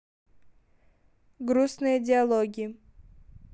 грустные диалоги